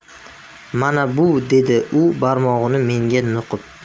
mana bu dedi u barmog'ini menga nuqib